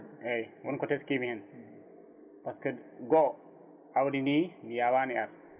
eyyi wonko teskimi hen par ce que goho awdi ndi ndi yawani aar